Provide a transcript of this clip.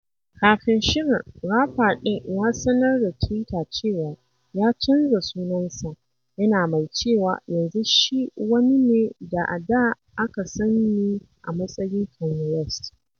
Kafin shirin, rapper ɗin ya sanar ta Twitter cewa ya canza sunansa, yana mai cewa yanzu shi "wani ne da a da aka san ni a matsayin Kanye West."